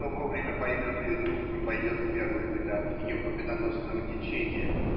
кто вовремя поймет ее дух и пойдет в первых рядах ее победоносного течения.